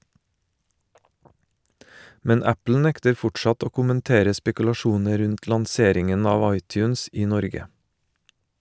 Men Apple nekter fortsatt å kommentere spekulasjoner rundt lanseringen av iTunes i Norge.